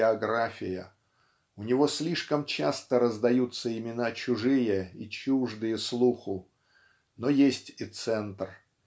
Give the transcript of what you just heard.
география, у него слишком часто раздаются имена чужие и чуждые слуху но есть и центр